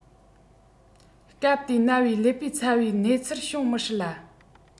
སྐབས དེའི ན བའི ཀླད པའི ཚ བའི གནས ཚུལ བྱུང མི སྲིད ལ